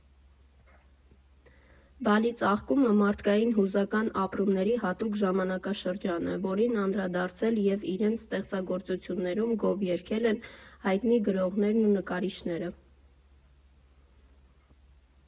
Բալի ծաղկումը մարդկային հուզական ապրումների հատուկ ժամանակաշրջան է, որին անդրադարձել և իրենց ստեղծագործություններում գովերգել են հայտնի գրողներն ու նկարիչները։